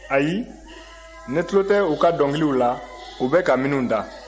ayi ne tulo tɛ u ka dɔnkili la u bɛ ka minnu da